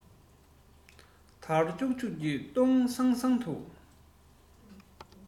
འདར ལྕུག ལྕུག ཏུ སྟོང སང སང དུ